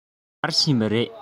ག པར ཕྱིན པ རེད